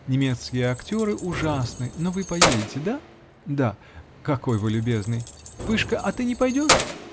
немецкие актеры ужасны, но вы поедете. Да? Да! Какой вы любезный! Пышка, а ты не пойдешь?